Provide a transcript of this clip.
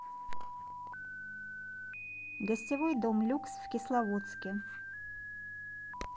гостевой дом люкс в кисловодске